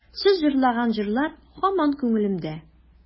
Сез җырлаган җырлар һаман күңелемдә.